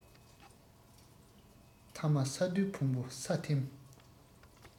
ཐ མ ས རྡོའི ཕུང པོ ས ཐིམ